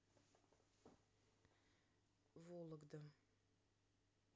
вологда